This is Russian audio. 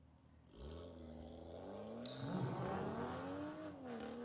ну и плохо